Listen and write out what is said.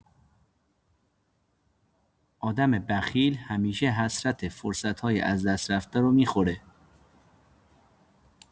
آدم بخیل همیشه حسرت فرصت‌های از دست رفته رو می‌خوره.